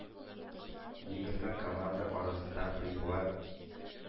Егерме команда арасында призлы